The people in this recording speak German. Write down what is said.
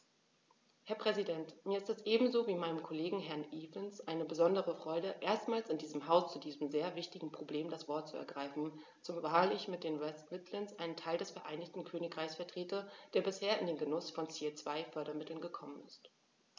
Herr Präsident, mir ist es ebenso wie meinem Kollegen Herrn Evans eine besondere Freude, erstmals in diesem Haus zu diesem sehr wichtigen Problem das Wort zu ergreifen, zumal ich mit den West Midlands einen Teil des Vereinigten Königreichs vertrete, der bisher in den Genuß von Ziel-2-Fördermitteln gekommen ist.